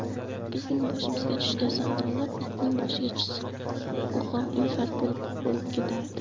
bizning boshimizga tushgan savdolar itning boshiga tushsa u ham infarkt bo'lib o'lib ketardi